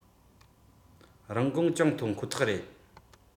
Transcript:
རིན གོང ཅུང མཐོ ཁོ ཐག རེད